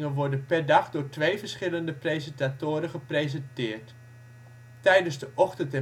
worden per dag door twee verschillende presentatoren gepresenteerd. Tijdens de ochtend